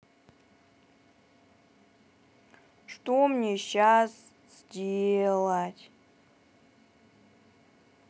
что мне щас сделать